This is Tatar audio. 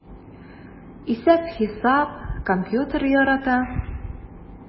Исәп-хисап, компьютер ярата...